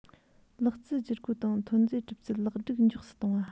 ལག རྩལ བསྒྱུར བཀོད དང ཐོན རྫས གྲུབ ཚུལ ལེགས སྒྲིག མགྱོགས སུ གཏོང བ